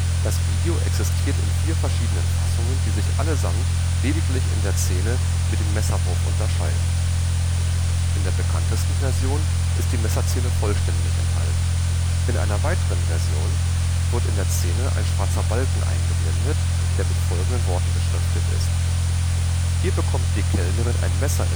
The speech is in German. Das Video existiert in vier verschiedenen Fassungen, die sich allesamt lediglich in der Szene mit dem Messerwurf unterscheiden. In der bekanntesten Version ist die Messerszene vollständig enthalten. In einer weiteren Version wird in der Szene ein schwarzer Balken eingeblendet, der mit folgenden Worten beschriftet ist: „ Hier bekommt die Kellnerin ein Messer